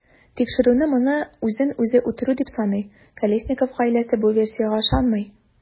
Тикшеренү моны үзен-үзе үтерү дип саный, Колесников гаиләсе бу версиягә ышанмый.